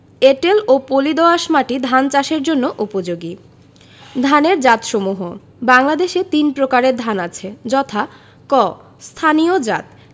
এঁটেল ও পলি দোআঁশ মাটি ধান চাষের জন্য উপযোগী ধানের জাতসমূহঃ বাংলাদেশে তিন প্রকারের ধান আছে যথাঃ ক স্থানীয় জাতঃ